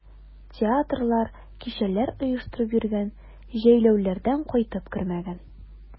Театрлар, кичәләр оештырып йөргән, җәйләүләрдән кайтып кермәгән.